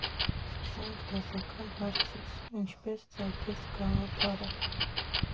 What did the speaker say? Սկսենք դասական հարցից՝ ինչպե՞ս ծագեց գաղափարը։